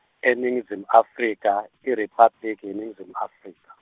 eNingizimu Afrika, IRiphabliki, yeNingizimu Afrika.